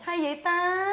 hay vậy ta